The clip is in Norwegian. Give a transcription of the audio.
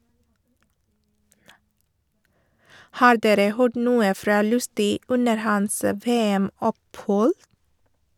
- Har dere hørt noe fra Lustü under hans VM-opphold?